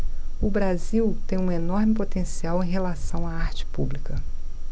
o brasil tem um enorme potencial em relação à arte pública